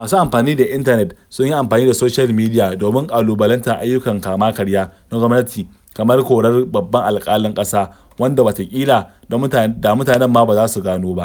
Masu amfani da intanet sun yi amfani da soshiyal midiya domin ƙalubalantar ayyukan kama-karya na gwamnati kamar korar babban alƙalin ƙasa, wanda wataƙila da mutane ba ma za su gano ba.